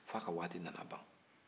f'a ka waati nana ban